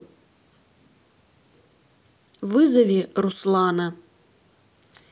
вызови руслана